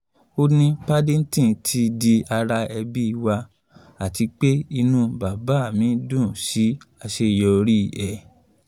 Ó ní Paddington “ti di ara ẹbí wa,” àtipé inú bàbá mi dùn sí àṣeyọrí ẹ̀.